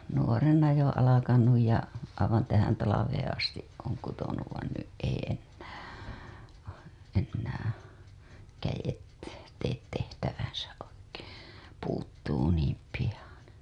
nuorena jo alkanut ja aivan tähän talveen asti olen kutonut vaan nyt ei enää enää kädet tee tehtäväänsä oikein puutuu niin pian